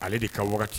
Ale de ka wagati